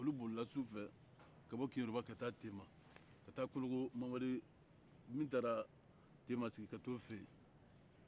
olu bolila su fɛ ka bɔ keyoroba ka taa tema ka taa kologomadi min taara tema sigi ka t'o fɛ yen